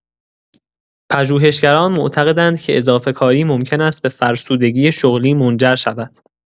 پژوهشگران معتقدند که اضافه‌کاری ممکن است به فرسودگی شغلی منجر شود.